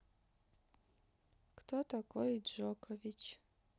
кто такой джокович